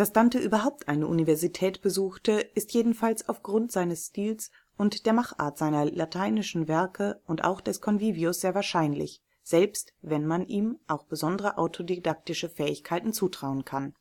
Dante überhaupt eine Universität besuchte, ist jedenfalls aufgrund des Stils und der Machart seiner lateinischen Werke und auch des Convivio sehr wahrscheinlich, selbst wenn man ihm auch besondere autodidaktische Fähigkeiten zutrauen kann